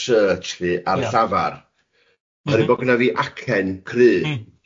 search lly ar llafar, ma'n rhaid bod gynna fi acen cry... Mm